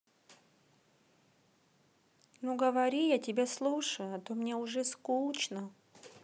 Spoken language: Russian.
ну говори я тебя слушаю а то мне уже скучно